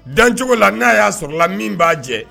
Dancogo la n'a y'a sɔrɔ la min b'a jɛ